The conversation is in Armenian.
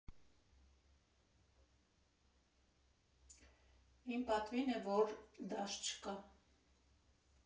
Իմ պատվին է, որ դաս չկա։